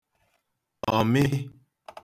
ọ̀mị